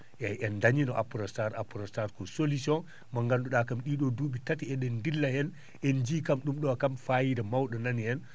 eeyi en dañiino prono (apronstar ) prono (apronstar ) ko solution mo nganndu?aa kam ?i?o duu?i tati e?en dilla heen en jii kam ?um ?o kam fayida maw?o nanii hen